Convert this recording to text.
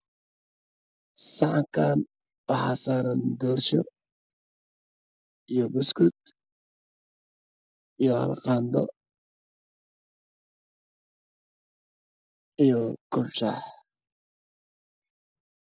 Saxankaan waxaa saaran doorsho iyo buskud iyo hal qaado iyo koob shaax ah